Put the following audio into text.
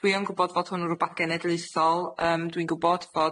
dwi yn gwbod bod hwn yn rwbath genedlaethol, yym dwi'n gwbod bod